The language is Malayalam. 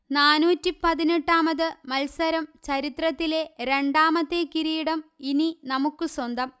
നാനൂറ്റി പതിനെട്ടാമത് മത്സരം ചരിത്രത്തിലെ രണ്ടാമത്തെ കിരീടം ഇനി നമുക്കു സ്വന്തം